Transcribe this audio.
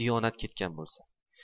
diyonat ketgan bo'lsa